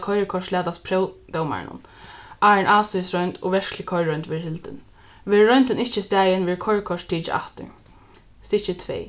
koyrikort latast próvdómaranum áðrenn ástøðisroynd og verklig koyriroynd verður hildin verður royndin ikki staðin verður koyrikort tikið aftur stykki tvey